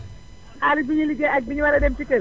xaalis bi ñuy ligéey ak bi ñu war a dem ci Kër gi